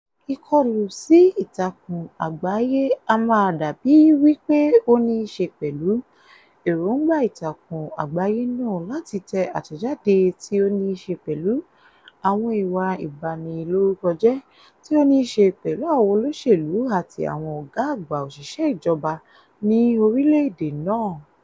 Ìkọlù sí ìtàkùn àgbáyé A bàa dàbí wípé ó níí ṣe pẹ̀lú èróńgbà ìtàkùn àgbáyé náà láti tẹ àtẹ̀jáde tí ó níí ṣe pẹ̀lú àwọn ìwà ìbanilórúkọjẹ́ tí ó níí ṣe pẹ̀lú àwọn olóṣèlú àti àwọn ọ̀gá àgbà òṣìṣẹ́ ìjọba ní orílẹ̀ èdè náà.